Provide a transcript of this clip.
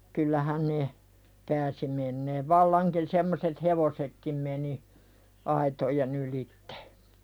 kyllähän ne pääsi menemään vallankin semmoiset hevosetkin meni aitojen ylitse